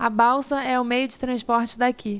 a balsa é o meio de transporte daqui